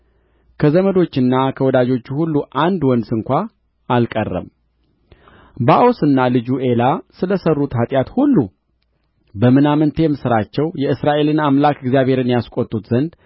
ከዘመዶችና ከወዳጆች ሁሉ አንድ ወንድ እንኳ አልቀረም ባኦስና ልጁ ኤላ ስለ ሠሩት ኃጢአት ሁሉ በምናምንቴም ሥራቸው የእስራኤልን አምላክ እግዚአብሔርን ያስቈጡት ዘንድ